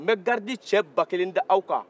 n bɛ garidi cɛ ba kelen da aw kan